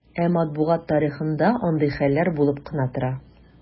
Ә матбугат тарихында андый хәлләр булып кына тора.